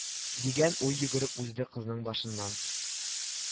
Дигән уй йөгереп узды кызның башыннан